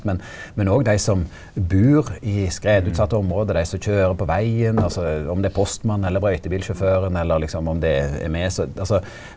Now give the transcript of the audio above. men men òg dei som bur i skredutsette område dei som køyrer på vegen, altså om det er postmannen eller brøytebilsjåføren eller liksom om det er me så altså.